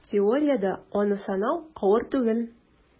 Теориядә аны санау авыр түгел: